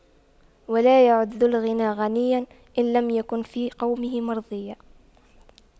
ولا يعد ذو الغنى غنيا إن لم يكن في قومه مرضيا